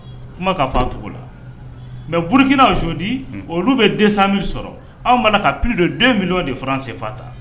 Kuma ka fɔ a fɔ cogo la mais burukina aujourd'hui . Unhun. olu bɛ 200000 sɔrɔ anw b'a la ka plus de 2000000 ta.